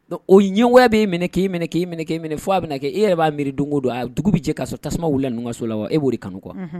Don o ɲɛ wɛrɛ b bɛi minɛ k'i minɛ k'i minɛ k'i minɛ fo'a bɛ na e yɛrɛ b'a miiri don don a ye dugu bɛ jɛ k'a tasuma wili n kaso la wa e b'o kanu kuwa